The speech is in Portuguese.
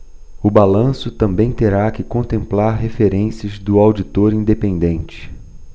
o balanço também terá que contemplar referências do auditor independente